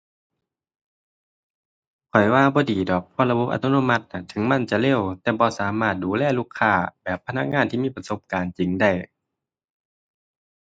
ข้อยว่าบ่ดีดอก เพราะระบบอัตโนมัติอะ ถึงมันจะเร็ว แต่บ่สามารถดูแลลูกค้าแบบพนักงานที่มีประสบการณ์จริงได้